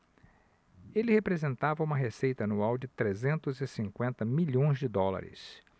ele representava uma receita anual de trezentos e cinquenta milhões de dólares